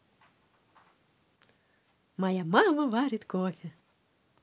моя мама варит кофе